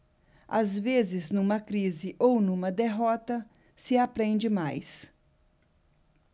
às vezes numa crise ou numa derrota se aprende mais